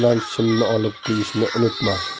bilan shimni olib qo'yishni unutma